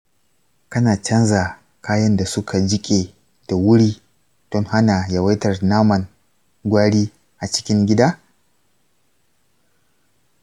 ka canza kayan da suka jiƙe da wuri don hana yawaitar naman gwari a cikin gida.